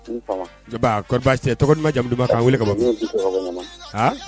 I ni fama. Unbaa. Kori basi ti la?. Tɔgɔ duman jamu duman , ka weleli kɛ ka bɔ min ?. Ne bi wele kɛ ka bɔ Ɲɔnɔ